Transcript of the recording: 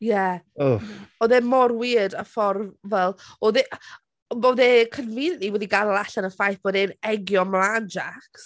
Ie... Owff!... Oedd e mor weird y ffordd, fel, odd e odd e conveniently wedi gadel allan y ffaith bod e'n egio 'mlaen Jacques.